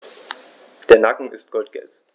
Der Nacken ist goldgelb.